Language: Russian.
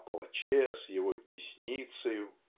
о палаче с его "десницею")